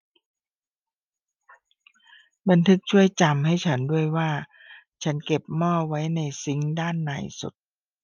บันทึกช่วยจำให้ฉันด้วยว่าฉันเก็บหม้อไว้ในซิงค์ด้านในสุด